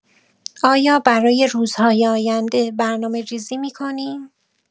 آیا برای روزهای آینده برنامه‌ریزی می‌کنی؟